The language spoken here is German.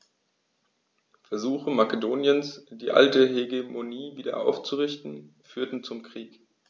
Versuche Makedoniens, die alte Hegemonie wieder aufzurichten, führten zum Krieg.